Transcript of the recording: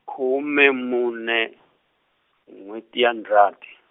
khume mune , n'hweti ya Ndzati.